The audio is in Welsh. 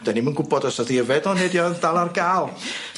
'Dan ni'm yn gwbod os o'dd 'di yfed o neu 'di o dal ar ga'l.